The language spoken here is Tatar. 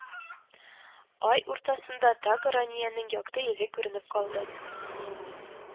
Ай уртасында тагы Рәниянең якты йөзе күренеп калды